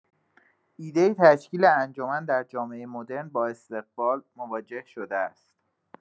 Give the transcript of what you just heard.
ایده تشکیل انجمن در جامعه مدرن با استقبال مواجه شده است.